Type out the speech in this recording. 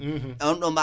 wallaahi wallaahi